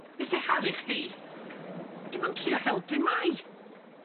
Be' sy haru chdi? Dim on' trio helpu mae!